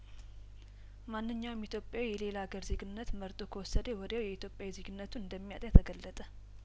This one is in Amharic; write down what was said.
ማንኛውም ኢትዮጵያዊ የሌላ አገር ዜግነት መርጦ ከወሰደ ወዲያው ኢትዮጵያዊ ዜግነቱን እንደሚያጣ ተገለጠ